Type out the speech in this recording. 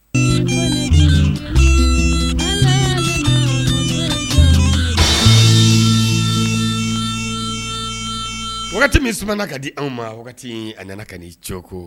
Wagati min tun ka di aw ma wagati a nana ka iko